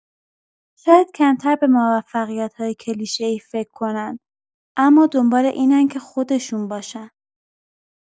شاید کمتر به موفقیت‌های کلیشه‌ای فکر کنن، اما دنبال اینن که «خودشون» باشن.